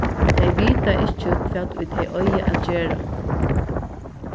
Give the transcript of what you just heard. tey vita ikki hvat ið tey eiga at gera